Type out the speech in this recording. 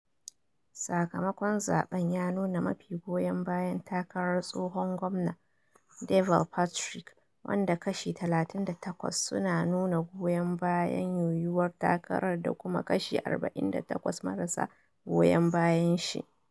Sakamakon zaben ya nuna mafi goyon bayan takarar tsohon gwamna Deval Patrick, wanda kashi 38 su na nuna goyon bayan yiyuwar takarar da kuma kashi 48 marasa goyon bayan shi.